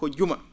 ko juma